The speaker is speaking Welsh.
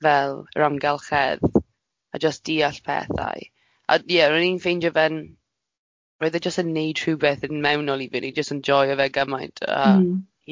Fel yr amgylchedd a jyst diallt pethau. A ie, ro'n i'n ffeindio fe'n, roedd e jyst yn wneud rhywbeth yn mewnol i fyny, jyst yn joio fe gymaint a... M-hm. ...ie